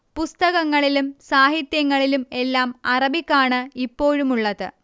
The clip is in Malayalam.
പുസ്തകങ്ങളിലും സാഹിത്യങ്ങളിലും എല്ലാം അറബികാണ് ഇപ്പോഴുമുള്ളത്